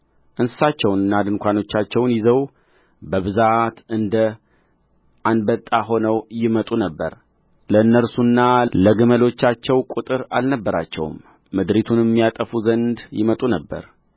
እንስሶቻቸውንና ድንኳኖቻቸውን ይዘው በብዛት እንደ አንበጣ ሆነው ይመጡ ነበር ለእነርሱና ለግመሎቻቸውም ቍጥር አልነበራቸውም ምድሪቱንም ያጠፉ ዘንድ ይመጡ ነበር